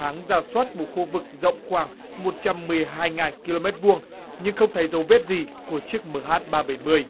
tháng rà soát một khu vực rộng khoảng một trăm mười hai ngàn ki lô mét vuông nhưng không thấy dấu vết gì của chiếc mờ hát ba bảy mươi